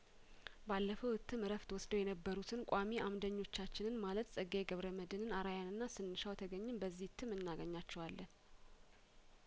ባለፈው እትም እረፍት ወስደው የነበሩትን ቋሚ አምደኞ ቻችንን ማለት ጸጋዬ ገብረ መድህን አርአያንና ስንሻው ተገኘን በዚህ እትም እናገኛቸዋለን